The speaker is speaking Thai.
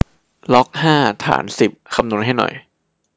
ล็อกห้าฐานสิบคำนวณให้หน่อย